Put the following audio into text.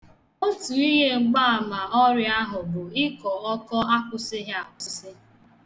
Otu ihe mgbaama ọrịa ahụ bụ ịkọ ọkọ akwụsịghị akwụsị.